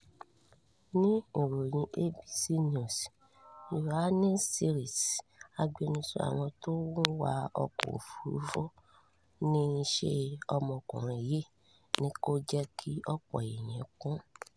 Ní ìròyìn ABC News, Yohannes Sirait, agbẹnusọ àwọn t’ọ́n wa ọkọ̀-òfúrufú, ní ìṣe ọmọkùnrin yìí ni kò jẹ́ kí ọ̀pọ̀ eèyàn kú.